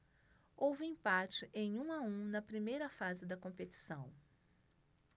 houve empate em um a um na primeira fase da competição